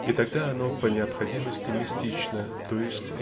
и тогда оно по необходимости мистично, т. е.